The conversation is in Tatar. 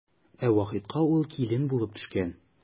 Ә Вахитка ул килен булып төшкән.